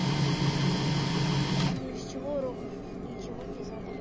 ну из чего уроков ничего не задали